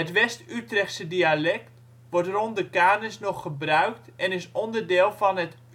West-Utrechtse dialect wordt rond de Kanis nog gebruikt en is onderdeel van het